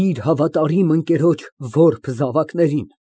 Իր հավատարիմ ընկերոջ որբ զավակներին։